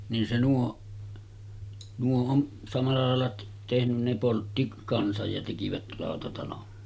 niin se nuo nuo on samalla lailla tehnyt ne poltti kanssa ja tekivät lautatalon